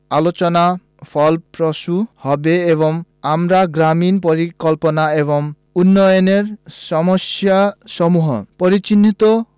আলোচনা ফলপ্রসূ হবে এবং আমরা গ্রামীন পরিকল্পনা এবং উন্নয়নের সমস্যাসমূহ পরিচিহ্নিত